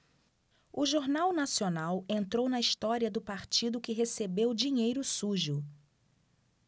o jornal nacional entrou na história do partido que recebeu dinheiro sujo